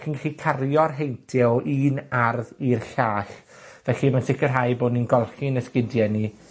chi'n 'llu cario'r heintie o un ardd i'r llall. Felly, ma' sicirhau bo' ni'n golchi'n esgidie ni